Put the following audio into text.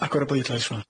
Yym agor y bleidlais.